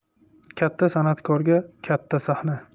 katta sanatkorga katta sahna